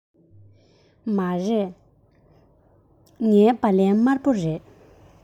མ རེད ངའི སྦ ལན དམར པོ རེད